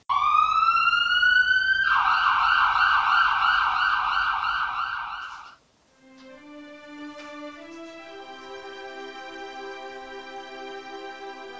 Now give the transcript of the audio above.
music